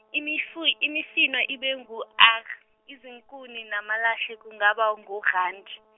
imifoi- imifino ibe ngu R izinkuni namalahle kungaba ngu Randi.